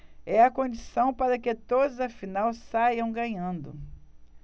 é a condição para que todos afinal saiam ganhando